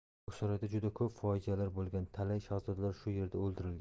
ko'ksaroyda juda ko'p fojialar bo'lgan talay shahzodalar shu yerda o'ldirilgan